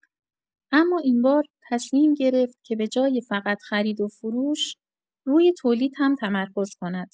اما این بار، تصمیم گرفت که به‌جای فقط خرید و فروش، روی تولید هم تمرکز کند.